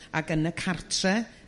Ac yn y cartre'